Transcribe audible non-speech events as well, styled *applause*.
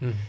*hesitation* *hesitation*